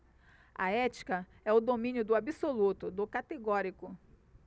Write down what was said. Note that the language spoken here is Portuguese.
a ética é o domínio do absoluto do categórico